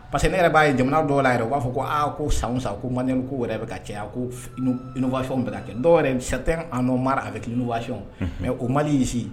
Parce queseke ne yɛrɛ b' ye jamana dɔw la yɛrɛ u b'a fɔ ko aa ko san san ko mali wɛrɛ bɛ ka cayaufafɛnw bɛ kɛ dɔw sama a bɛ kilufafɛnw mɛ o mali yesi